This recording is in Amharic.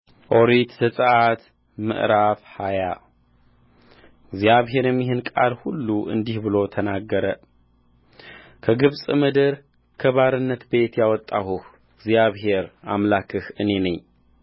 ኦሪት ዘጽአት ምዕራፍ ሃያ እግዚአብሔርም ይህን ቃል ሁሉ እንዲህ ብሎ ተናገረ ከግብፅ ምድር ከባርነት ቤት ያወጣሁህ እግዚአብሔር አምላክህ እኔ ነኝ